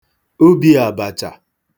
ubi àbàchà